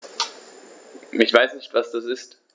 Ich weiß nicht, was das ist.